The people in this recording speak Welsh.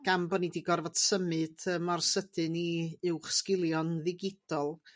gan bo' ni 'di gorfod symud yy mor sydyn i uwch sgilio'n ddigidol